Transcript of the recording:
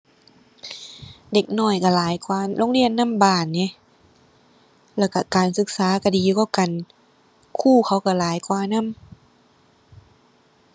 เด็กน้อยก็หลายกว่าโรงเรียนนำบ้านไง แล้วก็การศึกษาก็ดีกว่ากัน ครูเขาก็หลายกว่านำ